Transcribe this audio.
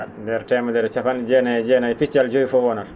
ndeer teemedere e cappan?e jeenayi e jeenayi e piccal joyi fof wonat